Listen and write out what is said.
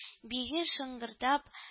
Биге шыңгырдап